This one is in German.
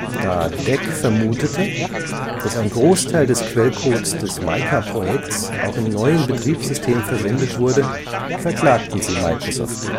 Da DEC vermutete, dass ein Großteil des Quellcodes des Mica-Projekts auch im neuen Betriebssystem verwendet wurde, verklagten sie Microsoft